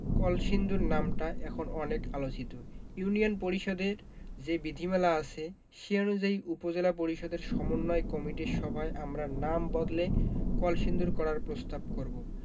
কলসিন্দুর নামটা এখন অনেক আলোচিত ইউনিয়ন পরিষদের যে বিধিমালা আছে সে অনুযায়ী উপজেলা পরিষদের সমন্বয় কমিটির সভায় আমরা নাম বদলে কলসিন্দুর করার প্রস্তাব করব